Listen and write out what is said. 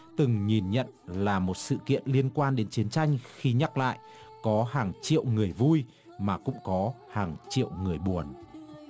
từng nhìn nhận là một sự kiện liên quan đến chiến tranh khi nhắc lại có hàng triệu người vui mà cũng có hàng triệu người buồn